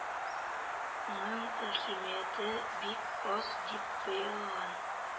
Ның әһәмияте бик аз дип бәялган